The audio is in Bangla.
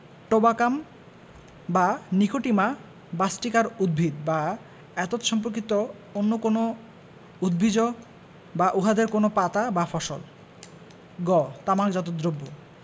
টোবাকাম বা নিকোটিমা বাসটিকার উদ্ভিদ বা এতদ্ সম্পর্কিত অন্য কোন উদ্ভিজ্জ বা উহাদের কোন পাতা বা ফসল গ তামাকজাত দ্রব্য